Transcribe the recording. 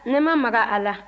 ne ma maga a la